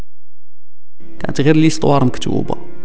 اعتذر لي صور مكتوبه